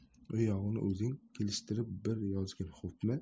u yog'ini o'zing kelishtirib bir yozgin xo'pmi